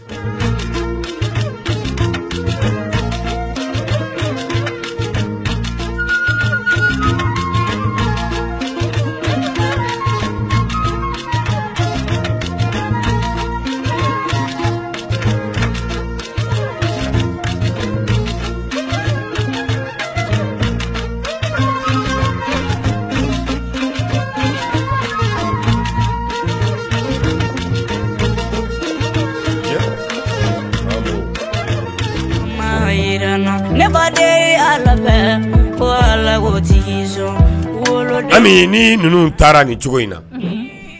Yi ne ba kokɔtigi ni ninnu taara ni cogo in na